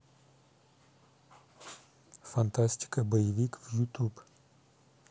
фантастика боевик в ютуб